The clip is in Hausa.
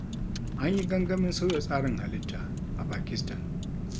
An yi gangamin sauya tsarin halitta a Pakistan